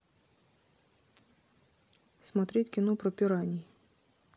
смотреть кино про пираний